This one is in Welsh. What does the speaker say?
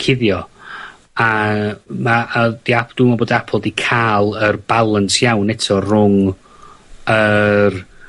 cuddio, a ma' a odd... 'Di App- dw'm wbo bod Apple 'di ca'l yr balance iawn eto rwng yr